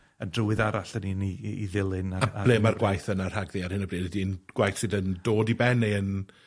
yn drywydd arall 'dan ni'n 'i 'i 'i 'i ddilyn a a... A ble mae'r gwaith rhagddi ar hyn o bryd ydi 'i'n gwaith sydd yn dod i ben neu yn...